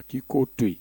A k'i k ko' to yen